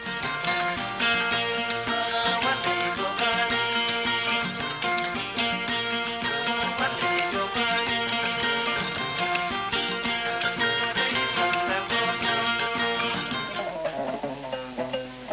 Maa wa wa diɲɛ